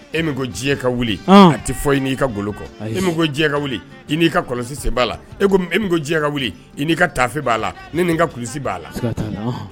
E ko diɲɛ ka wuli a tɛ fɔ i ka bolo kɔ ne ma ko diɲɛ ka wulii ka kɔlɔsi sen b'a la e diɲɛ ka wuli ii ka taafe b'a la ni nin ka kulu b'a la